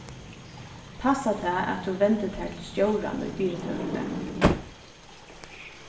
passar tað at tú vendi tær til stjóran í fyritøkuni